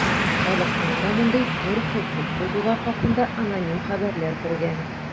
Халыктан да мондый төр хокук бозулар хакында аноним хәбәрләр кергән.